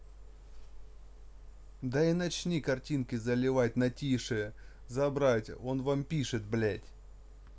да и начни картинки заливать на тише забрать он вам пишет блядь